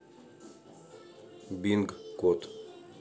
бинг кот